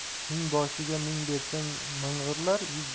mingboshiga ming bersang ming'irlar